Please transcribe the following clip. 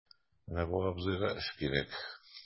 Менә бу абзыйга эш кирәк...